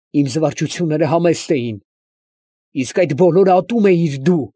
Իմ զվարճությունները համեստ էին։ Իսկ այդ բոլորը ատում էիր դու։